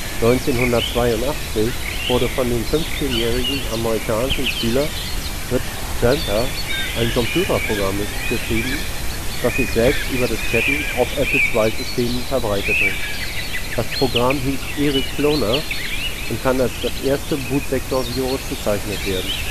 1982 wurde von dem 15-jährigen amerikanischen Schüler Rich Skrenta ein Computerprogramm geschrieben, das sich selbst über Disketten auf Apple-II-Systemen verbreitete. Das Programm hieß Elk Cloner und kann als das erste Bootsektorvirus bezeichnet werden